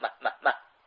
mah mah